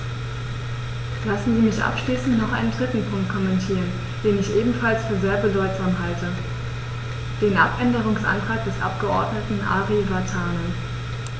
Lassen Sie mich abschließend noch einen dritten Punkt kommentieren, den ich ebenfalls für sehr bedeutsam halte: den Abänderungsantrag des Abgeordneten Ari Vatanen.